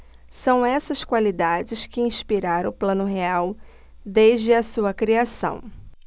são essas qualidades que inspiraram o plano real desde a sua criação